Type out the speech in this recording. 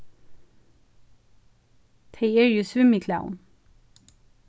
tey eru í svimjiklæðum